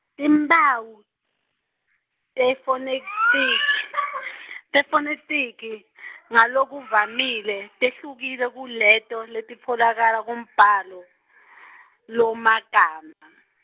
timphawu, tefonethiki tefonethiki, ngalokuvamile, tehlukile kuleto letitfolakala kumbhalomagama.